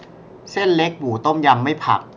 เส้นเล็กหมูต้มยำไม่ผัก